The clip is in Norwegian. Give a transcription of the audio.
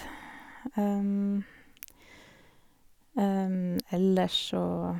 Ellers så...